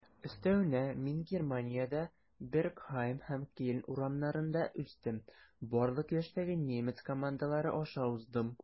Өстәвенә, мин Германиядә, Бергхайм һәм Кельн урамнарында үстем, барлык яшьтәге немец командалары аша уздым.